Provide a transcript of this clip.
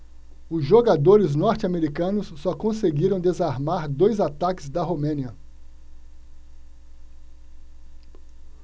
os jogadores norte-americanos só conseguiram desarmar dois ataques da romênia